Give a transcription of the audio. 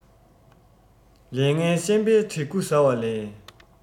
ལས ངན ཤན པའི དྲེག ཁུ བཟའ བ ལས